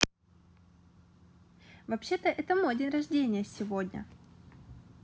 вообще то это мое день рождения сегодня